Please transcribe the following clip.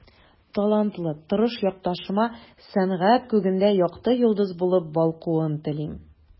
Талантлы, тырыш якташыма сәнгать күгендә якты йолдыз булып балкуын телим.